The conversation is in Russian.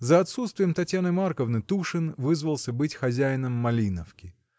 За отсутствием Татьяны Марковны Тушин вызвался быть хозяином Малиновки.